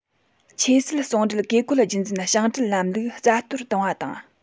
ཆོས སྲིད ཟུང འབྲེལ བཀས བཀོད རྒྱུད འཛིན ཞིང བྲན ལམ ལུགས རྩ གཏོར བཏང བ དང